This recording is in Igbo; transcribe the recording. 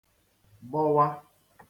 gbọwa